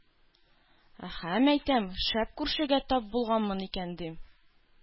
Әһә, мәйтәм, шәп күршегә тап булганмын икән, дим.